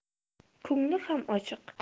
ko'ngli ham ochiq